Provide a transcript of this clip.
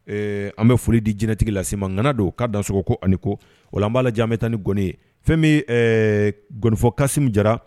An bɛ foli di jtigi lase se maana don k'a da sogoɔgɔ ko ani ko wala an b'a la jan an bɛ tan ni gɔni ye fɛn bɛ gɔnifɔkasi jara